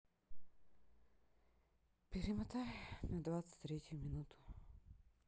перемотай на двадцать третью минуту